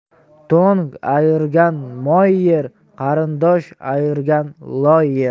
to'ng ayirgan moy yer qarindosh ayirgan loy yer